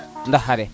nda xare